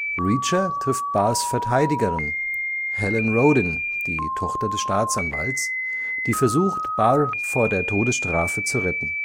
Reacher trifft Barrs Verteidigerin, Helen Rodin (die Tochter des Staatsanwalts), die versucht, Barr vor der Todesstrafe zu retten